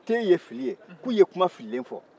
te ye fili ye k'u ye kuma fililen fɔ